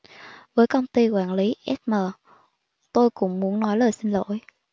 với công ty quản lý sm tôi cũng muốn nói lời xin lỗi